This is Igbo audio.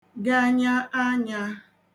ganya anyā